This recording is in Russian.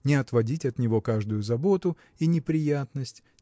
не отводить от него каждую заботу и неприятность